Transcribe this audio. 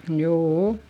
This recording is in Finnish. juu